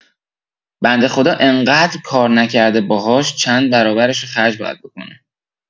بنده خدا اینقدر کار نکرده باهاش چند برابرشو خرج باید بکنه